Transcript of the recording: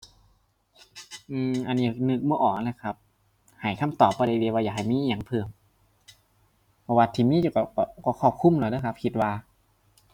อือ อันนี้นึกบ่ออกเลยครับให้คำตอบบ่ได้อีหลีว่าอยากให้มีอิหยังเพิ่ม เพราะว่าที่มีอยู่ก็ ก็ ก็ครอบคลุมแล้วนะครับคิดว่า